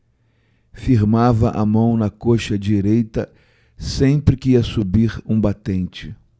firmava a mão na coxa direita sempre que ia subir um batente